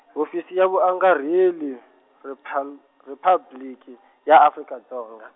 Hofisi ya Vuangarheli, Riphan-, Ripabliki, ya Afrika Dzonga.